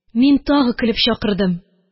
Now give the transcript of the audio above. Мин тагы көлеп чакырдым.